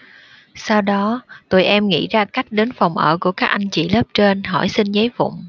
sau đó tụi em nghĩ ra cách đến phòng ở của các anh chị lớp trên hỏi xin giấy vụn